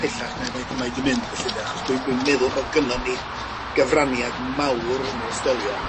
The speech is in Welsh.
pellach na'i maint mae 'di mynd felly ynde achos dwi dwi'n meddwl bo' gynnon ni gyfraniad mawr yn yr ysgolion